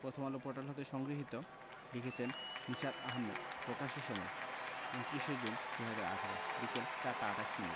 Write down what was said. Prothom Alo portal হতে সংগৃহীত লিখেছেন নিশাত আহমেদ প্রকাশের সময় ২৯ শে জুন ২০১৮ বিকেল ৪টা ২৮ মিনিট